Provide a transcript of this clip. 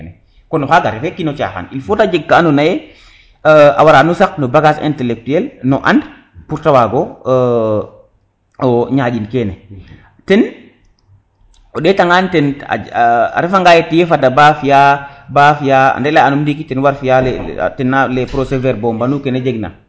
kon o xaga refe o kino caxan il faut te jeg ka ando naye a wara no saq no bagage intelectuel no and pour te wago o ñaƴin kene ten o ndeta ngan ten a refa ngaye tiye fada ba fiya ba fiya ande ley anum ndiki ten war fiya les procés verbaux mbanu tiye jeg na